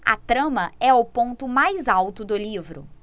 a trama é o ponto mais alto do livro